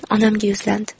onamga yuzlandi